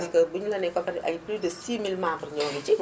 parce que buñu la nee cooperabi ay plus de 6000 membres ñoo ngi ci